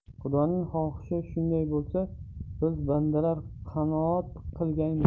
xudoning xohishi shunday bo'lsa biz bandalar qanoat qilgaymiz